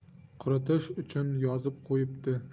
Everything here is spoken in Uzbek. quritish uchun yozib qo'yibdi